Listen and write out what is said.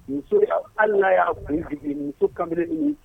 Muso hali n'a y'a Kun digi muso kamalenin.